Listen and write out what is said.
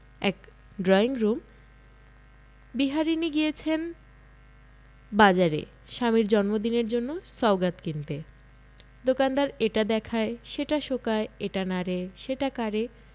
এক ড্রইংরুম বিহারীণী গিয়েছেন বাজারে স্বামীর জন্মদিনের জন্য সওগাত কিনতে দোকানদার এটা দেখায় সেটা শোঁকায় এটা নাড়ে সেটা কাড়ে